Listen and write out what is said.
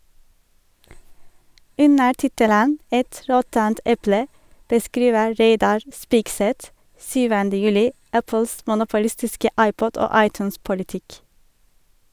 Under tittelen «Et råttent eple» beskriver Reidar Spigseth 7. juli Apples monopolistiske iPod- og iTunes-politikk.